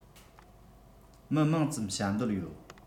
མི མང ཙམ བྱ འདོད ཡོད